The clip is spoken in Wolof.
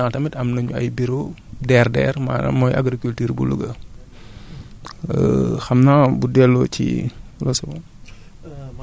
en meme temps tamit am nañu ay buraux DRDR maanaam mooy agriculture gu Louga xam naa bu delloo ci *